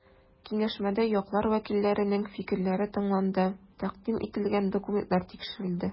Киңәшмәдә яклар вәкилләренең фикерләре тыңланды, тәкъдим ителгән документлар тикшерелде.